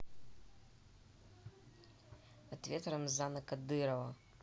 ответ рамзан кадырова